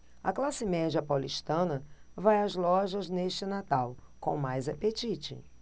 a classe média paulistana vai às lojas neste natal com mais apetite